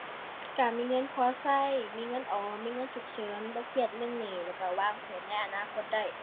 การมีเงินพอใช้ มีเงินออม มีเงินฉุกเฉิน บ่เครียดเรื่องนี้ แล้วใช้วางแผนในอนาคตได้